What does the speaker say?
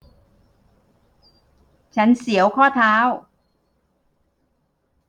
ฉันเสียวข้อเท้า